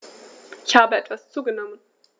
Ich habe etwas zugenommen